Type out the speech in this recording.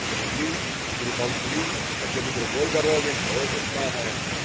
залегли, переползли, хотели другой дорогой - то же самое".